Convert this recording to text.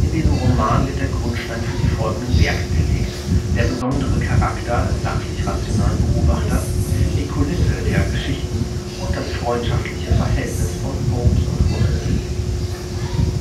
In diesem Roman wird der Grundstein für die folgenden Werke gelegt: Der besondere Charakter des sachlich-rationalen Beobachters, die Kulisse der Geschichten und das freundschaftliche Verhältnis von Holmes und Watson.